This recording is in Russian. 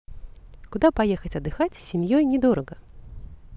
куда поехать отдыхать семьей недорого